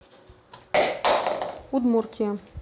удмуртия